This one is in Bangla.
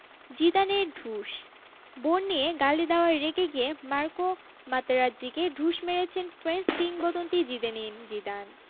জিদানের ঢুস বোন নিয়ে গালি দেওয়ায় রেগে গিয়ে মার্কো মাতেরাজ্জিকে ঢুস মেরেছেন ফ্রেঞ্চ কিংবদন্তি জিনেদিন জিদান